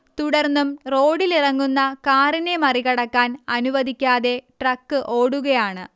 തുടർന്നും റോഡിലിറങ്ങുന്ന കാറിനെ മറികടക്കാൻ അനുവദിക്കാതെ ട്രക്ക് ഓടുകയാണ്